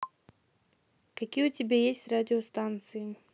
какие у тебя есть радиостанции